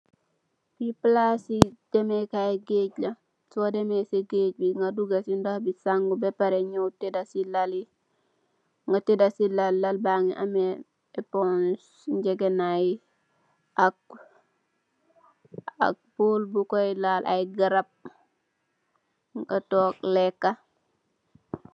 Fii palasi deme kaay geej la, soo deme si geej bi nga doogu si dox bi sangu ba pare, nyaw teda si lal yi, nge teda si lal, lal be ngi amme epos, ngegenaay, ak, ak pool bu koy laal ay garab, nga toog leka